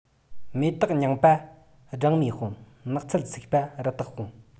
མེ ཏོག རྙིང པ སྦྲང མས སྤོང ནགས ཚལ ཚིག པ རི དྭགས སྤོང